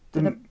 Dyna...